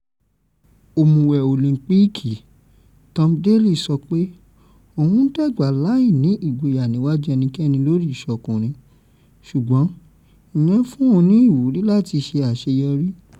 Òmùwẹ̀ Òlíńpììkì Tom Daley sọ pé òwun dàgbà láìní ìgboyà níwájú ẹnikẹ́ni lórí ìṣokùnrin - ṣùgbọ́n ìyẹn fún òun ní ìwúrí láti ṣe àṣeyọrí.